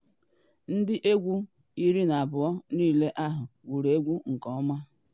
Ndị egwu 12 niile ahụ gwuru egwu nke ọma.